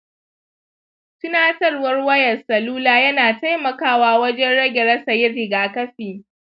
tunatarwar wayan salula yana taimakawa wajen rage rasa yin rigakafi.